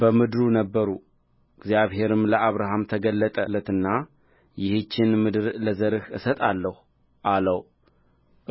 በምድሩ ነበሩ እግዚአብሔርም ለአብራም ተገለጠለትና ይህችን ምድር ለዘርህ እሰጣለሁ አለው